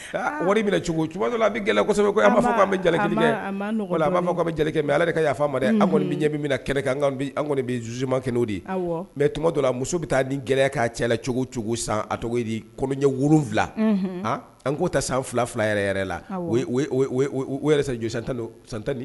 O wari minɛ cogo cogojɔ a bɛ gɛlɛnsɛbɛ an b'a fɔ'an bɛ kelen dɛ wala an b'a fɔ a bɛ kelen ale de ka yafa ma dɛ kɔni ɲɛ minmina na kɛlɛ kɔni zuma kɛnɛ'o de ye mɛ tuma dɔ muso bɛ taa ni gɛlɛya' cɛla la cogo cogo san a tɔgɔ di kolon ɲɛ wu wolonwula an k'o ta san fila fila yɛrɛ yɛrɛ la o yɛrɛ jo san tan san tan